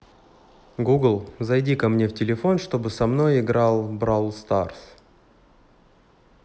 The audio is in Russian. google зайди ко мне в телефон чтобы со мной играл в brawl stars